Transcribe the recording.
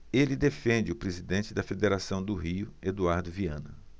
ele defende o presidente da federação do rio eduardo viana